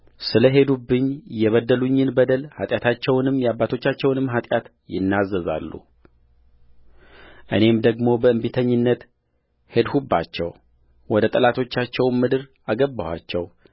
ስለ ሄዱብኝ የበደሉኝን በደል ኃጢአታቸውንም የአባቶቻቸውንም ኃጢአት ይናዘዛሉእኔም ደግሞ በእንቢተኝነት ሄድሁባቸው ወደ ጠላቶቻቸውም ምድር አገባኋቸው